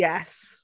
Yes.